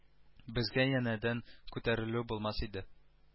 Безгә янәдән күтәрелү булмас иде